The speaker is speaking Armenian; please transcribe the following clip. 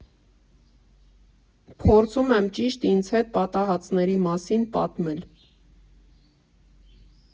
Փորձում եմ միշտ ինձ հետ պատահածների մասին պատմել։